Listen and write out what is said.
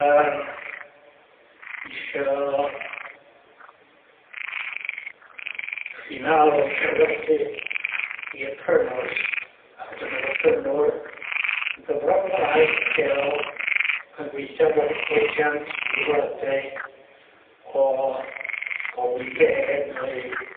yym isio rhi 'na o'dd o isio werhu i'r prynwrs a wedyn o'dd y prynwr yn Gymro Cymraeg lleol yn gweithio fel agent o Colwyn Bay neu